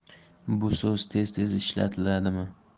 bu so'z tez tez ishlatiladimi